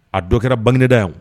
A dɔ kɛra bangda yan